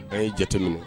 Ɛɛ ye jate minɛ